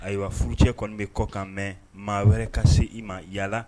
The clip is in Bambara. Ayiwa furujɛ kɔni bɛ kɔ ka mɛn maa wɛrɛ ka se i ma yalala